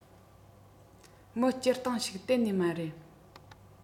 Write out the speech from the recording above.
མི སྤྱིར བཏང ཞིག གཏན ནས མ རེད